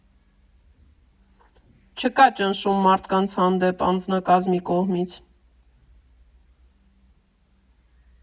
Չկա ճնշում մարդկանց հանդեպ անձնակազմի կողմից։